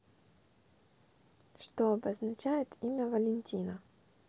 что обозначает имя валентина